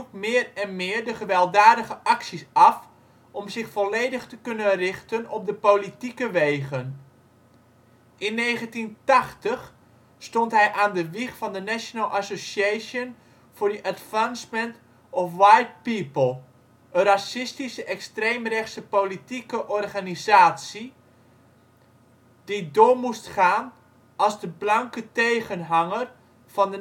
meer en meer de gewelddadige acties af om zich volledig te kunnen richten op de politieke wegen. In 1980 stond hij aan de wieg van de National Association for the Advancement of White People (NAAWP), een racistische extreem-rechtse politieke organisatie, die door moest gaan als de blanke tegenhanger van